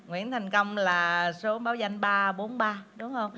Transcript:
nguyễn thành công là số báo danh ba bốn ba đúng không